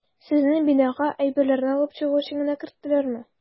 Сезне бинага әйберләрне алып чыгу өчен генә керттеләрме?